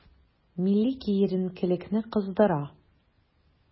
Милли киеренкелекне кыздыра.